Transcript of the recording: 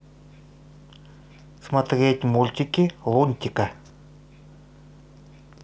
смотреть мультики лунтика